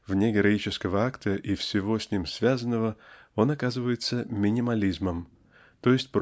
вне героического акта и всего с ним связанного он оказывается минимализмом т. е.